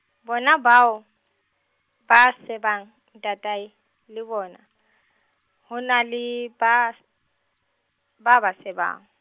bona bao, ba sebang ntatae, le bona, ho na le, ba s-, ba ba sebang.